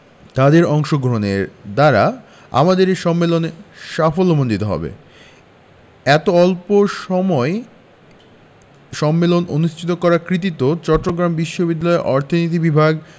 তাদের অংশগ্রহণের দ্বারা আমাদের এ সম্মেলন সাফল্যমণ্ডিত হবে এত অল্প এ সম্মেলন অনুষ্ঠান করার কৃতিত্ব চট্টগ্রাম বিশ্ববিদ্যালয়ের অর্থনীতি বিভাগ